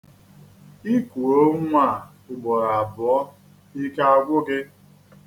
I kuo nnwa a ugboro abụọ ike agwụ gị.